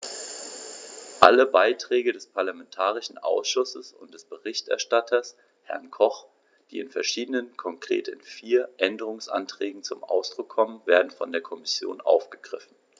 Alle Beiträge des parlamentarischen Ausschusses und des Berichterstatters, Herrn Koch, die in verschiedenen, konkret in vier, Änderungsanträgen zum Ausdruck kommen, werden von der Kommission aufgegriffen.